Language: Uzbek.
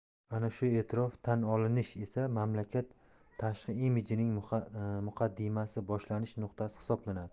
ana shu e'tirof tan olinish esa mamlakat tashqi imijining muqaddimasi boshlanish nuqtasi hisoblanadi